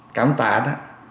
cảm tạ đó